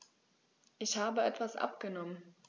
Ich habe etwas abgenommen.